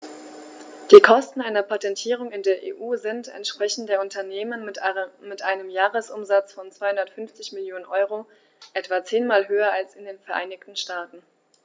Die Kosten einer Patentierung in der EU sind, entsprechend der Unternehmen mit einem Jahresumsatz von 250 Mio. EUR, etwa zehnmal höher als in den Vereinigten Staaten.